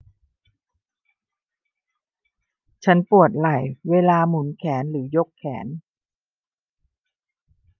ฉันปวดไหล่เวลาหมุนแขนหรือยกแขน